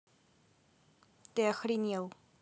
ты охренел